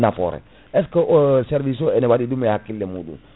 nafoore est ce que o service ene waɗi ɗum e hakkille muɗum